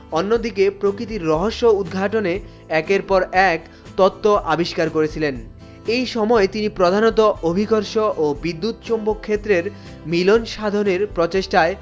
অন্যদিকে প্রকৃতির রহস্য উদঘাটনে একের পর এক তত্ত্ব আবিষ্কার করেছিলেন সময়ে তিনি প্রধানত অভিকর্ষের বিদ্যুৎ চৌম্বক ক্ষেত্রের মিলন সাধনের প্রচেষ্টায়